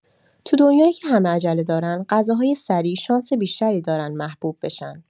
تو دنیایی که همه عجله دارن، غذاهای سریع شانس بیشتری دارن محبوب بشن.